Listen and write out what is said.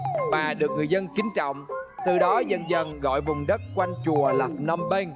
bà được người dân kính trọng từ đó dần dần gọi vùng đất quanh chùa là phờ nôm pênh